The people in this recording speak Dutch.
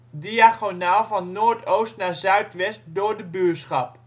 diagonaal van noordoost naar zuidwest door de buurschap